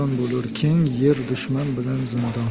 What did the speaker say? bo'lur keng yer dushman bilan zindon